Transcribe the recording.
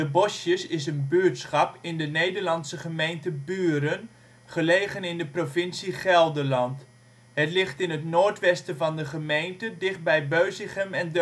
Bosjes is een buurtschap in de Nederlandse gemeente Buren, gelegen in de provincie Gelderland. Het ligt in het noordwesten van de gemeente dichtbij Beusichem en